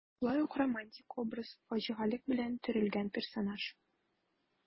Шулай ук романтик образ, фаҗигалек белән төрелгән персонаж.